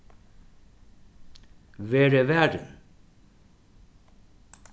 verið varin